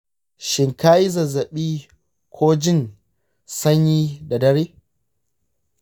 shin ka yi zazzabi ko jin sanyi da dare?